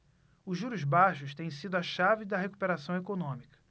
os juros baixos têm sido a chave da recuperação econômica